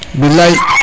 bilay